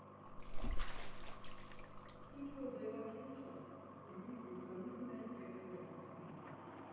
Ինչ֊որ ձևաթուղթ կար՝ անուն ազգանունն էր պետք լրացնել։